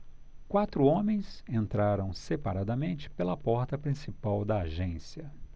quatro homens entraram separadamente pela porta principal da agência